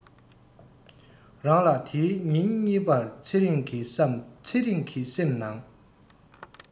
རང ལ དེའི ཉིན གཉིས པར ཚེ རིང གི བསམ ཚེ རང གི སེམས ནང